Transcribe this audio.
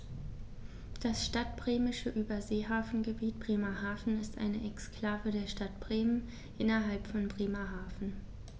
Das Stadtbremische Überseehafengebiet Bremerhaven ist eine Exklave der Stadt Bremen innerhalb von Bremerhaven.